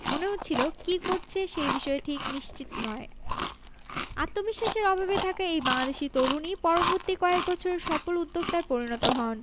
মনে হচ্ছিল কী করছে সেই বিষয়ে ঠিক নিশ্চিত নয় আত্মবিশ্বাসের অভাবে থাকা এই বাংলাদেশি তরুণই পরবর্তী কয়েক বছরে সফল উদ্যোক্তায় পরিণত হন